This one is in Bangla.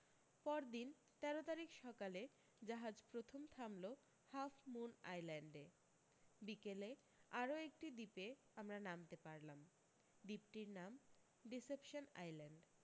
পরদিন তেরো তারিখ সকালে জাহাজ প্রথম থামল হাফ মুন আইল্যান্ডে বিকেলে আরও একটি দ্বীপে আমরা নামতে পারলাম দ্বীপটির নাম ডিসেপশন আইল্যান্ড